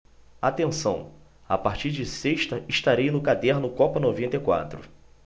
atenção a partir de sexta estarei no caderno copa noventa e quatro